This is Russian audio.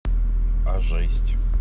а жесть